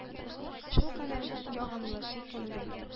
Шулкадәр ягымлы, сөйкемле!